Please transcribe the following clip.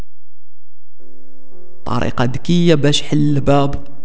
طريقه ذكيه بشحن الباب